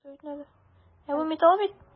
Ә бу металл бит!